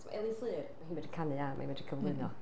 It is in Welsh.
Ti'n gwbod Elin Fflur, ma' hi'n medru canu a ma' hi'n medru cyflwyno.